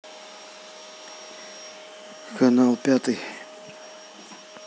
канал пятый